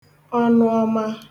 ọnụ ọma